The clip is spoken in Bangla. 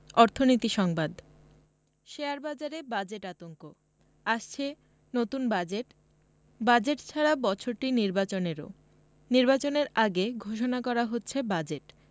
অর্থনীতি সংবাদ শেয়ারবাজারে বাজেট আতঙ্ক আসছে নতুন বাজেট বাজেট ছাড়া বছরটি নির্বাচনেরও নির্বাচনের আগে ঘোষণা করা হচ্ছে বাজেট